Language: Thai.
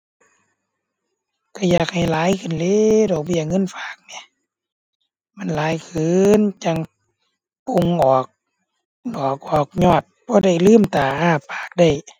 ก็อยากให้หลายขึ้นแหล้วดอกเบี้ยเงินฝากแหม มันหลายขึ้นจั่งโป่งออก มันออกออกยอดพอได้ลืมตาอ้าปากได้